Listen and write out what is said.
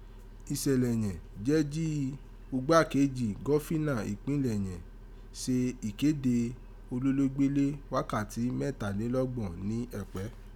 Isẹ̀lẹ̀ yẹ̀n jẹ́ jí ugbákéèjì gofìnà ipinlẹ yẹ̀n se ikede olúlégbélé wakati mẹtalelọgbọn ni Ẹ̀pẹ́.